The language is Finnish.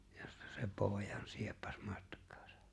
josta se pojan sieppasi matkaansa